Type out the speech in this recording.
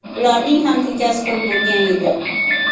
ularning ham tinkasi qurib bo'lgan edi